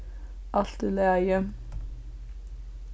alt í lagi